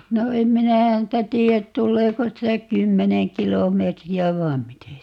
no en minä häntä tiedä tuleeko sitä kymmenen kilometriä vai miten sitä tulee